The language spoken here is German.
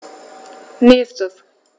Nächstes.